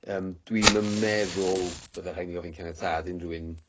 Ymm, dwi'm yn meddwl byddai rhaid i ni ofyn caniatâd unrhyw un.